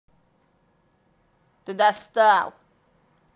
ты достал